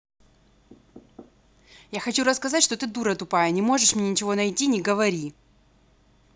я хочу рассказать что ты дура тупая не можешь мне ничего найти не говори